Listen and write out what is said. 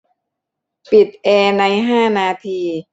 ปิดแอร์ในห้านาที